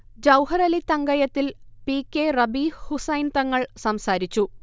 ജൗഹറലി തങ്കയത്തിൽ, P K Rabeeh Hussain Thangal സംസാരിച്ചു